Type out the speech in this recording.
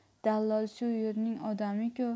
dallol shu yerning odami ku